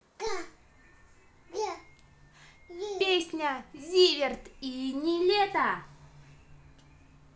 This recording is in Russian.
песня zivert и niletto